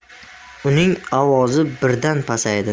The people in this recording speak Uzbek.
uning ovozi birdan pasaydi